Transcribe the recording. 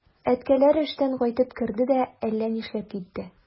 Әткәләре эштән кайтып керде дә әллә нишләп китте.